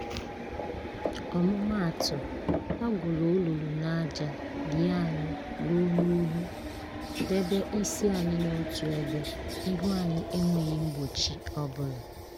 Ọmụmaatụ, ha gwuru olulu n'aja, lie anyị ruo n'ólú, debe isi anyị n'otu ebe, ihu anyị enweghị mgbochi ọbụla.